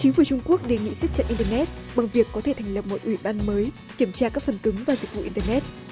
chính phủ trung quốc đề nghị siết chặt in tơ nét bằng việc có thể thành lập một ủy ban mới kiểm tra các phần cứng và dịch vụ in tơ nét